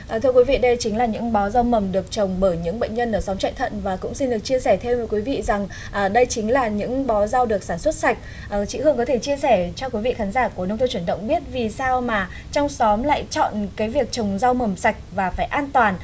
ờ thưa quý vị đây chính là những bó rau mầm được trồng bởi những bệnh nhân ở xóm chạy thận và cũng xin được chia sẻ thêm với quý vị rằng ở đây chính là những bó rau được sản xuất sạch chị hương có thể chia sẻ cho quý vị khán giả của nông thôn chuyển động biết vì sao mà trong xóm lại chọn cái việc trồng rau mầm sạch và phải an toàn